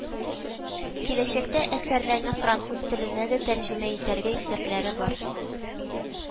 Киләчәктә әсәрләрне француз теленә дә тәрҗемә итәргә исәпләре бар